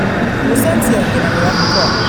Rosenstein gọnarịrị akụkọ a.